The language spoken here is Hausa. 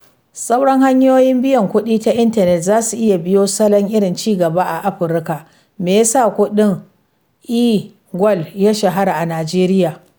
Sauran hanyoyin biyan kuɗi ta intanet za su iya biyo salon irin ci gaba a Afirka. Me ya sa kuɗin e-gold ya shahara a Nijeriya?